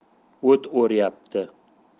o't o'ryapti